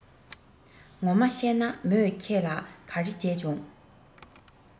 ངོ མ གཤད ན མོས ཁྱེད ལ ག རེ བྱས བྱུང